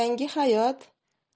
yangi hayot